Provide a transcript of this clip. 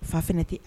Fa fɛnɛ ti